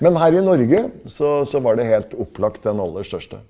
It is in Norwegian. men her i Norge så så var det helt opplagt den aller største.